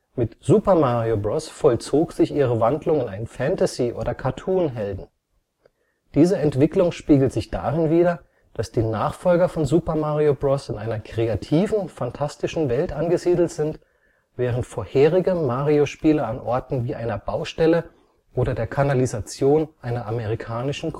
Mit Super Mario Bros. vollzog sich ihre Wandlung in einen Fantasy - oder Cartoon-Helden. Diese Entwicklung spiegelt sich darin wider, dass die Nachfolger von Super Mario Bros. in einer kreativen, fantastischen Welt angesiedelt sind, während vorherige Mario-Spiele an Orten wie einer Baustelle oder der Kanalisation einer amerikanischen